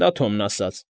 Դա Թոմն ասաց։ ֊